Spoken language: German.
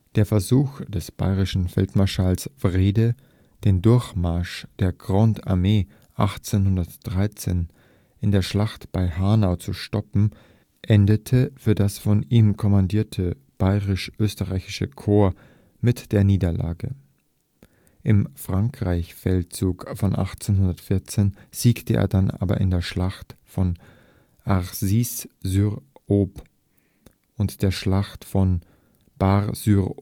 Der Versuch des bayerischen Feldmarschalls Wrede, den Durchmarsch der Grande Armée 1813 in der Schlacht bei Hanau zu stoppen, endete für das von ihm kommandierte bayerisch-österreichische Korps mit einer Niederlage. Im Frankreichfeldzug von 1814 siegte er dann aber in der Schlacht von Arcis-sur-Aube und der Schlacht von Bar-sur-Aube